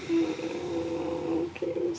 O ciwt.